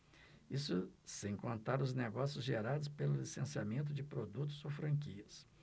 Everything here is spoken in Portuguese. isso sem contar os negócios gerados pelo licenciamento de produtos ou franquias